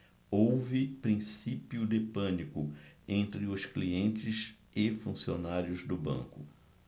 houve princípio de pânico entre os clientes e funcionários do banco